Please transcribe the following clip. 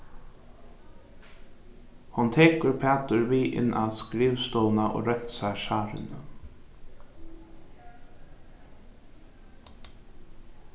hon tekur pætur við inn á skrivstovuna og reinsar sárini